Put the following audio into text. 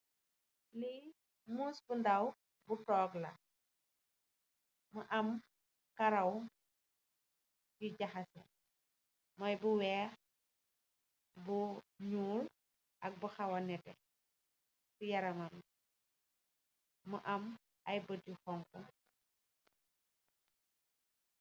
Lii muus bu ndaw, bu toog la. Mu am, kawar bu jaxase, muy bu weex, bu ñuul ak bu xawa nétté si yaramam. Mu am ay bët yu xoñga